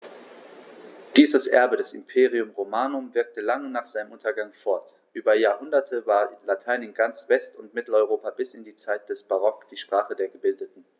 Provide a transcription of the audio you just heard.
Dieses Erbe des Imperium Romanum wirkte lange nach seinem Untergang fort: Über Jahrhunderte war Latein in ganz West- und Mitteleuropa bis in die Zeit des Barock die Sprache der Gebildeten.